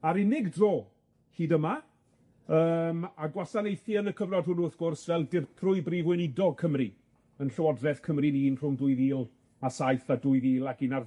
A'r unig dro, hyd yma, yym a gwasanaethu yn y cyfnod hwnnw, wrth gwrs, fel Dirprwy Brif Weinidog Cymru yn Llywodreth Cymru'n un rhwng dwy fil a saith a dwy fil ac un ar